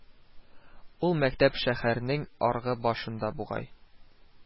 Ул мәктәп шәһәрнең аргы башында бугай